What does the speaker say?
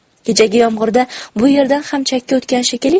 kechagi yomg'irda bu yerdan ham chakka o'tgan shekilli